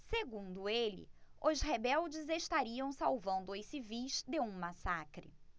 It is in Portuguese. segundo ele os rebeldes estariam salvando os civis de um massacre